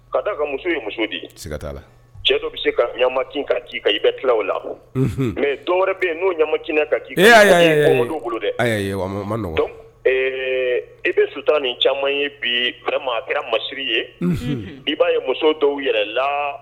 Ka da a ka muso ye muso di la cɛ dɔ bɛ se ka ɲama ka ci kan i bɛ tila o labɔ mɛ dɔw wɛrɛ bɛ n'o ɲamac ka ci bolo dɛ ee i bɛ su tan ni caman ye bi maa kira masiriri ye i b'a ye muso dɔw yɛrɛ la